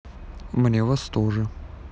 мне вас тоже